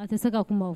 A tɛ se ka kumaba